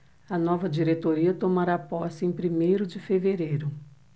a nova diretoria tomará posse em primeiro de fevereiro